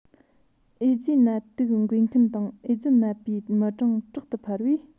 ཨེ ཙི ནད དུག འགོས མཁན དང ཨེ ཙི ནད པའི མི གྲངས དྲག ཏུ འཕར བའི